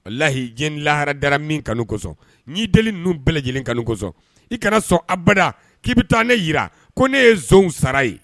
Walahi diɲɛ ni lahara dara min kanu ko sɔn n y'i deli ninnu bɛɛ lajɛlen kanu ko sɔn, i kana sɔn abada k'i bɛ taa, ne jira ko ne ye sonw sara ye